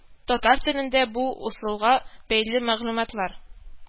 Татар телендә бу ысулга бәйле мәгълүматлар